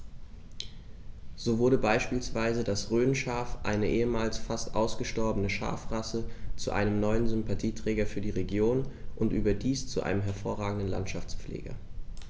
So wurde beispielsweise das Rhönschaf, eine ehemals fast ausgestorbene Schafrasse, zu einem neuen Sympathieträger für die Region – und überdies zu einem hervorragenden Landschaftspfleger.